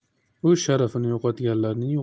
o'z sharafini yo'qotganlarning